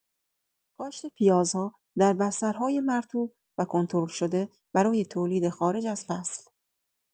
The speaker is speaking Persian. کاشت پیازها در بسترهای مرطوب و کنترل‌شده برای تولید خارج از فصل